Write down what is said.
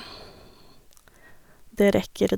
Det rekker...